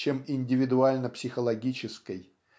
чем индивидуально-психологической